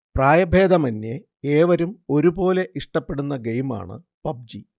പ്രായഭേദമന്യേ ഏവരും ഒരുപോലെ ഇഷ്ടപെടുന്ന ഗെയിമാണ് പബ്ജി